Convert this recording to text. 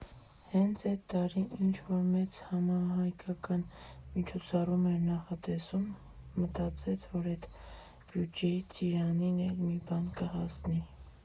Հենց էդ տարի ինչ֊որ մեծ համահայկական միջոցառում էր նախատեսվում, մտածեց, որ էդ բյուջեից Ծիրանին էլ մի բան կհասնի։